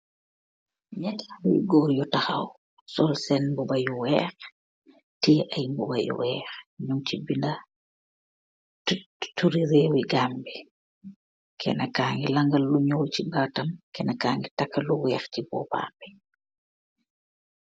ñetaal wuy góor yu taxaw sool seen bu bayu weex tii ay mu bayu weex ñum ci binda tuuturi réewyi gam bi kenna ka ngi langal lu ñuul ci baatam kennka ngi takalu weex ci boopaam bi